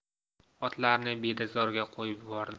otlarni bedazorga qo'yib yubordim